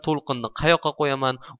to'lqinni qayoqqa qo'yaman